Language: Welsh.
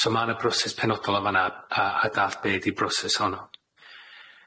So ma' na broses penodol yn fan'na a a a dalld be' ydi broses honno.